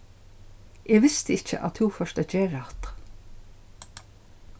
eg visti ikki at tú fórt at gera hatta